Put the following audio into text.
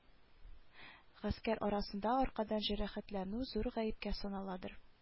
Гаскәр арасында аркадан җәрәхәтләнү зур гаепкә саналадыр